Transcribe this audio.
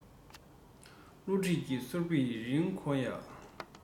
བསླུ བྲིད ཀྱི གསོར འབིག རིང བོ ཡ